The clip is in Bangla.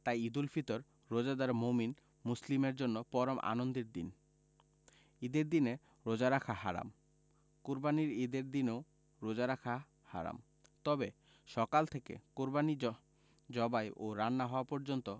তাই ঈদুল ফিতর রোজাদার মোমিন মুসলিমের জন্য পরম আনন্দের দিন ঈদের দিনে রোজা রাখা হারাম কোরবানির ঈদের দিনেও রোজা রাখা হারাম তবে সকাল থেকে কোরবানি ঝ জবাই ও রান্না হওয়া পর্যন্ত